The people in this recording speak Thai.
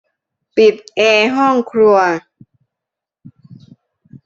ปิดแอร์ห้องครัว